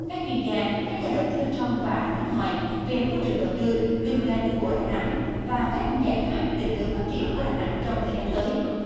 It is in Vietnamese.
các chuyên gia các nhà đầu tư trong và nước ngoài về môi trường đầu tư kinh doanh của đà nẵng và các giải pháp định hướng phát triển của đà nẵng trong thời gian tới